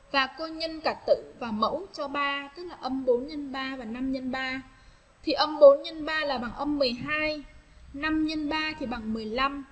là công nhân cả tử và mẫu cho ba tức là x và x thì x là bằng x thì bằng